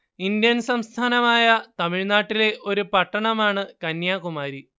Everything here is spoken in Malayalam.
ഇന്ത്യൻ സംസ്ഥാനമായ തമിഴ്നാട്ടിലെ ഒരു പട്ടണമാണ് കന്യാകുമാരി